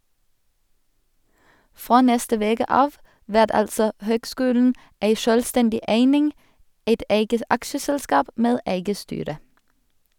Frå neste veke av vert altså høgskulen ei sjølvstendig eining, eit eige aksjeselskap med eige styre.